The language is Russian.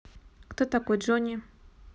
кто такой джонни